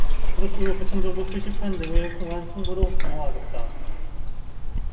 고속도로 교통정보 표시판 등을 통한 홍보도 강화하겠다